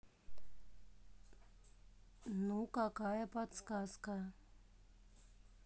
ну какая подсказка